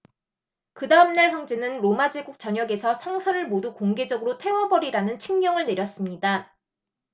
그다음 날 황제는 로마 제국 전역에서 성서를 모두 공개적으로 태워 버리라는 칙령을 내렸습니다